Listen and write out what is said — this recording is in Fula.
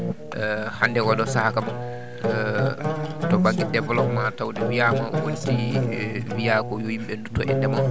hannde oɗo sahaa kam to baŋnge développement tawde wiyaama ko e si wiyaa ko yo yimɓe ndutto e ndema